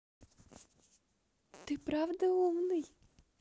ты правда умный